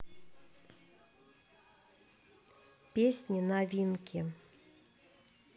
песни новинки